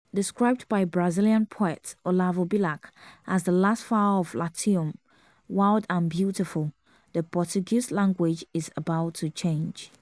Described by Brazilian poet Olavo Bilac as “the last flower of Latium, wild and beautiful”, the Portuguese language is about to change.